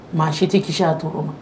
Maa si tɛ kisi a to ma